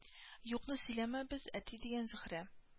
Юкны сөйләмәбез әти дигән зөһрә